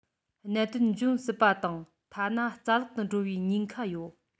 གནད དོན འབྱུང སྲིད པ དང ཐ ན རྩ བརླག ཏུ འགྲོ བའི ཉེན ཁ ཡོད